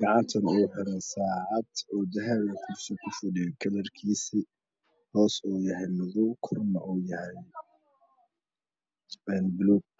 gacantana ugaxiranyahay sacad odahabiah kursigakufadhiyo kalarkisu yahay hosmadow korna uyahay baluug